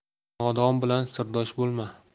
nodon bilan sirdosh bo'lma